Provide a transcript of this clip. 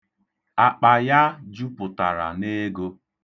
Akpa ya jupụtara n'ego.